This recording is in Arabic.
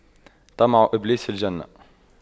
طمع إبليس في الجنة